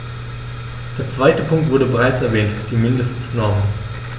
Der zweite Punkt wurde bereits erwähnt: die Mindestnormen.